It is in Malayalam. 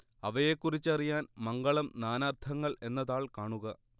അവയെക്കുറിച്ചറിയാൻ മംഗളം നാനാർത്ഥങ്ങൾ എന്ന താൾ കാണുക